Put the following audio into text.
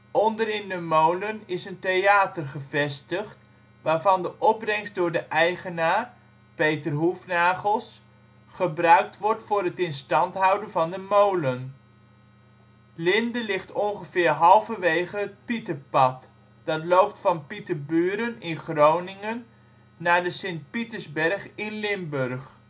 Onder in de molen is een theater gevestigd, waarvan de opbrengst door de eigenaar - Peter Hoefnagels - gebruikt wordt voor het in standhouden van de molen. Linde ligt ongeveer halverwege het Pieterpad, dat loopt van Pieterburen in Groningen naar de Sint Pietersberg in Limburg